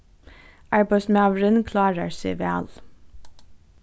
arbeiðsmaðurin klárar seg væl